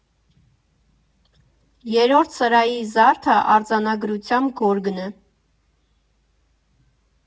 Երրորդ սրահի զարդը արձանագրությամբ գորգն է.